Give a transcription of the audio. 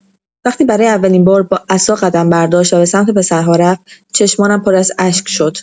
وقتی برای اولین بار با عصا قدم برداشت و به سمت پسرها رفت، چشمانم پر از اشک شد.